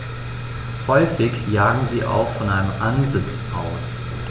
Häufig jagen sie auch von einem Ansitz aus.